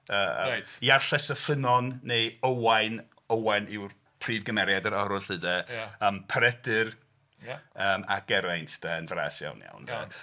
Yy Iarlles y Ffynnon neu Owain, Owain yw'r prif gymeriad yr arwr 'lly 'de... Ia... Yym Peredur... Ia... Yym, a Geraint 'de yn fras iawn iawn 'de.